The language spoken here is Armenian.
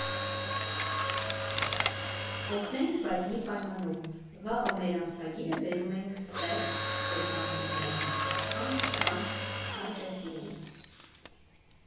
Կօգնենք, բայց մի պայմանով՝ վաղը մեր ամսագիրը բերում ենք ստեղ, որ մարդիկ մեկ֊մեկ կարդան առանց գադջեթների։